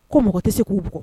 Ko mɔgɔ tɛ se k'u bugɔ